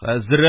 Хәзрәт,